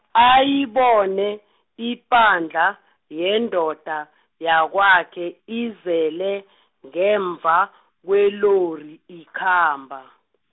ayibone, ipahla, yendoda, yakwakhe, izele, ngemva, kweenlori ikhamba.